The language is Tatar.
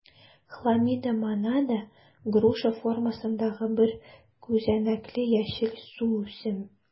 Хламидомонада - груша формасындагы бер күзәнәкле яшел суүсем.